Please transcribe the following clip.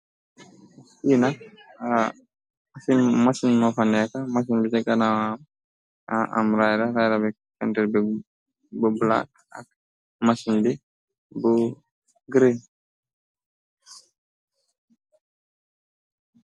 Fi nak machine mofa nekka, machine bi ci ganaawam da am rëyda. Rëyda bi penturr bi bi black, machine bi bi green.